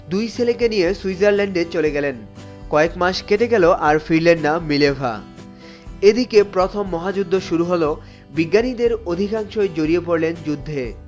দুই ছেলেকে নিয়ে সুইজারল্যান্ডে চলে গেলেন কয়েক মাস কেটে গেল আর ফিরলেন না মিলেভা এদিকে প্রথম মহাযুদ্ধ শুরু হল বিজ্ঞানীদের অধিকাংশই জড়িয়ে পড়লেন যুদ্ধে